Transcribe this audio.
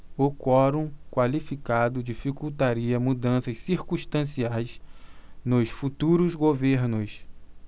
o quorum qualificado dificultaria mudanças circunstanciais nos futuros governos